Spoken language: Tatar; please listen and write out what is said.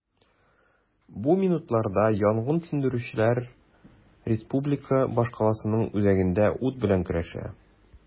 Бу минутларда янгын сүндерүчеләр республика башкаласының үзәгендә ут белән көрәшә.